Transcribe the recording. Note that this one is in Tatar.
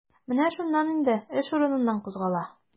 Менә шуннан инде эш урыныннан кузгала.